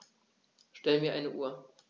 Stell mir eine Uhr.